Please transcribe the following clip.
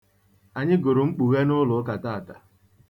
Anyị gụrụ Mkpughe n'ụlọụka taata.